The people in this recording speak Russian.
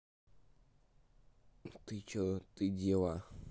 ты че ты дела